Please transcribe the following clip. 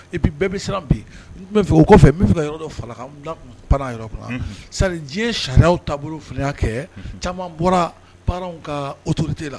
I bɛɛ bɛ siran bi tun bɛ fɛ o kɔfɛ n' fɛ yɔrɔ pan sa diɲɛ sariya taabolo kɛ caman bɔra paw ka otorote la